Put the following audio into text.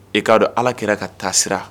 E k'a don ala kɛra ka tasira